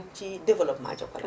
ci développement Jokalante